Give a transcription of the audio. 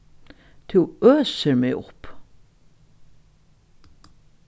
tú øsir meg upp